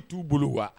A t'u bolo wa